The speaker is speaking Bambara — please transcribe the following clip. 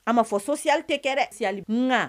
A ma fɔ so siyali tɛ kɛɛrɛ siyalikunkan